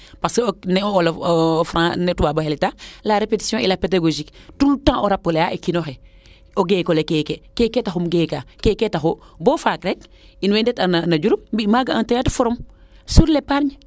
parce que ne o wolof nee o toubab oxe leyta la repetition elle est pedagogique tout le temps o rappeler a o kiinoxe o geekole keeke keeke taxu im geeka keeke taxu bo faak rek in way ndet a no Diouroup mbi maaga un theatre forum sur l' epargne